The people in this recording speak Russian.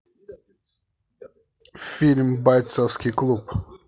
фильм бойцовский клуб